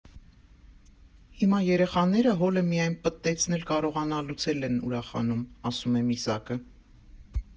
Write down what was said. Հիմա երեխաները հոլը միայն պտտեցնել կարողանալուց էլ են ուրախանում», ֊ ասում է Միսակը։